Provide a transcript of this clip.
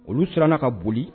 Olu siranna ka boli